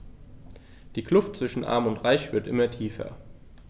Die Kluft zwischen Arm und Reich wird immer tiefer.